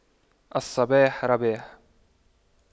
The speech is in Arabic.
الصباح رباح